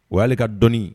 O'ale ka dɔɔnin